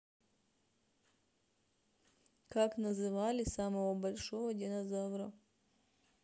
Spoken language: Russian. как называли самого большого динозавра